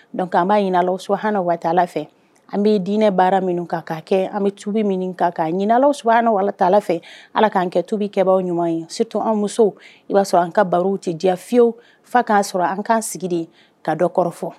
Dɔnkuc an' ɲininlaw su anana waa fɛ an bɛ dinɛ baara min kan ka kɛ an bɛ tu ɲininlaw su an ala t' fɛ ala k'an kɛ tubi kɛbaw ɲuman ye si to an musow i b'a sɔrɔ an ka barow tɛ diya fiyewu fa k'a sɔrɔ an kaan sigi de ka dɔ kɔrɔfɔ